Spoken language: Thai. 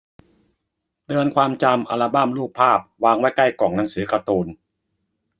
เตือนความจำอัลบัมรูปภาพวางไว้ใกล้กล่องหนังสือการ์ตูน